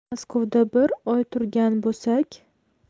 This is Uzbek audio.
maskovda bir oy turgan bo'sak